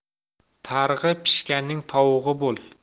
tarig'i pishganning tovug'i bo'l